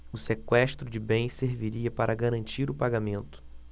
o sequestro de bens serviria para garantir o pagamento